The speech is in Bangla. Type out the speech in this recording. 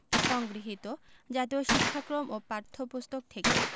সংগৃহীত জাতীয় শিক্ষাক্রম ও পাঠ্যপুস্তক থেকে